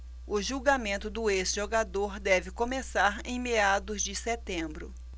o julgamento do ex-jogador deve começar em meados de setembro